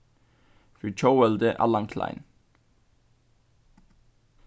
fyri tjóðveldið allan klein